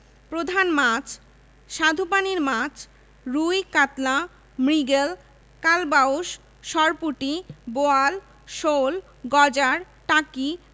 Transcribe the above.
৬২৮ প্রজাতির পাখি যার মধ্যে ৩৮৮টি প্রজাতি দেশী বা আবাসিক এবং ২৪০ টি প্রজাতি অতিথি বা পরিযায়ী পাখি